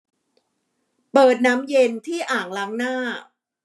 เปิดน้ำเย็นที่อ่างล้างหน้า